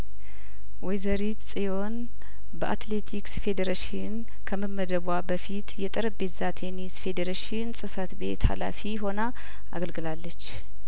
ወይዘሪት ጽዮን በአትሌቲክስ ፌዴሬሽን ከመመደቧ በፊት የጠረጴዛ ቴኒስ ፌዴሬሽን ጽፈት ቤት ሀላፊ ሆና አገልግላለች